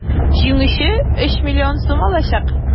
Җиңүче 3 млн сум алачак.